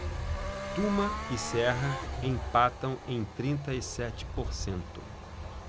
tuma e serra empatam em trinta e sete por cento